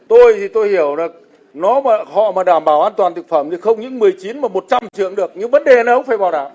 tôi thì tôi hiểu là nó mà họ mà đảm bảo an toàn thực phẩm thì không những mười chín mà một trăm trường được nhưng vấn đề là ông phải bảo đảm